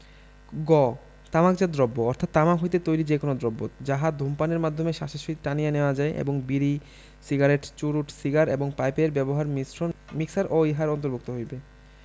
গ তামাকজাত দ্রব্য অর্থ তামাক হইতে তৈরী যে কোন দ্রব্য যাহা ধূমপানের মাধ্যমে শ্বাসের সহিত টানিয়া নেওয়া যায় এবং বিড়ি সিগারেট চুরুট সিগার এবং পাইপে ব্যবহার্য মিশ্রণ মিক্সার ও ইহার অন্তর্ভুক্ত হইবে